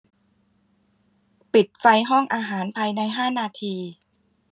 ปิดไฟห้องอาหารภายในห้านาที